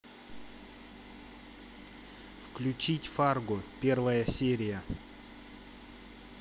включить фарго первая серия